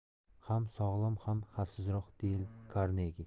ham sog'lom ham xavfsizroq deyl karnegi